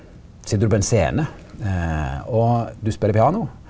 sit du på ein scene og du speler piano.